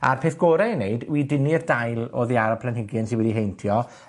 a'r peth gore i neud yw i dynnu'r dail oddi ar y planhigyn sy wedi heintio,